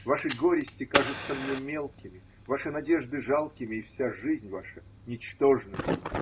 ваши горести кажутся мне мелкими, ваши надежды жалкими и вся жизнь ваша ничтожною.